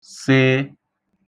s